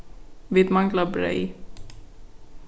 vit mangla breyð